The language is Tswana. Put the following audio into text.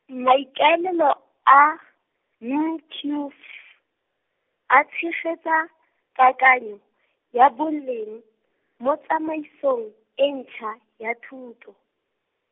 maikaelelo a, N Q F, a tshegetsa, kakanyo, ya boleng, mo tsamaisong, e ntšha, ya thuto.